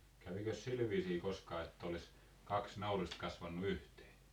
kävikös sillä viisiin koskaan että olisi kaksi naurista kasvanut yhteen